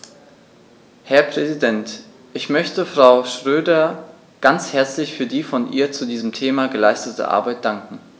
Herr Präsident, ich möchte Frau Schroedter ganz herzlich für die von ihr zu diesem Thema geleistete Arbeit danken.